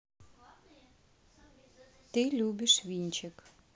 ты любишь винчик